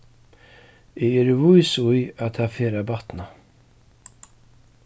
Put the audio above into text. eg eri vís í at tað fer at batna